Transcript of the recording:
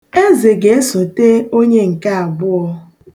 Eze ga-esote onye nke abụọ.